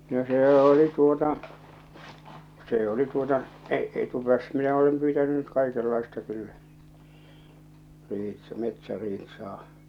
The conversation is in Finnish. no se oli tuota se oli tuota - etupäässä minä olen pyytänyt nyt kaikenlaista kyllä - metsäriistaa